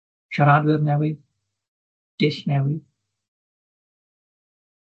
Siaradwyr newydd, dull newydd.